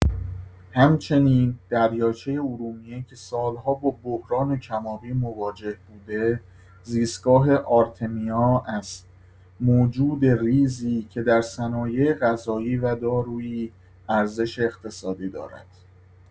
همچنین دریاچه ارومیه که سال‌ها با بحران کم‌آبی مواجه بوده، زیستگاه آرتمیا است، موجود ریزی که در صنایع غذایی و دارویی ارزش اقتصادی دارد.